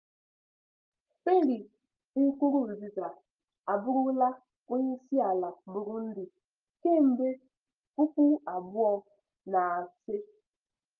Pierre Nkurunziza abụrụla onyeisiala Burundi kemgbe 2005.